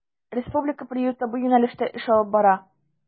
Республика приюты бу юнәлештә эш алып бара.